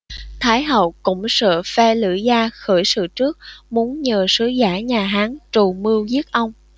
thái hậu cũng sợ phe lữ gia khởi sự trước muốn nhờ sứ giả nhà hán trù mưu giết ông